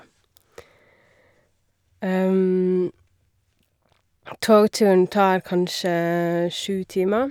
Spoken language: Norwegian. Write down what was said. Togturen tar kanskje sju timer.